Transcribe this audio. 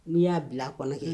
N'i y'a bila a kɔnɔ kɛ